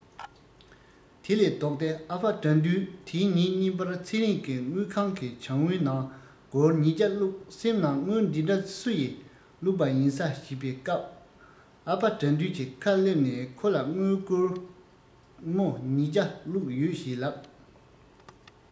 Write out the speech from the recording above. དེ ལས ལྡོག སྟེ ཨ ཕ དགྲ འདུལ དེའི ཉིན གཉིས པར ཚེ རིང གི དངུལ ཁང གི བྱང བུའི ནང སྒོར ཉི བརྒྱ བླུག སེམས ནང དངུལ འདི འདྲ སུ ཡི བླུག པ ཡིན ས བཞིན པའི སྐབས ཨ ཕ དགྲ འདུལ གྱི ཁ སླེབས ནས ཁོ ལ དངུལ སྒོར མོ ཉི བརྒྱ བླུག ཡོད ཞེས ལབ